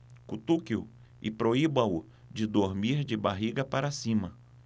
cutuque-o e proíba-o de dormir de barriga para cima